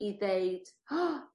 i ddeud